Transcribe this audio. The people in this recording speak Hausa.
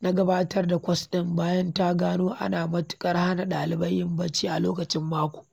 na gabatar da kwas ɗin bayan ta gano ana matuƙar hana ɗalibai yin barci a lokacin mako.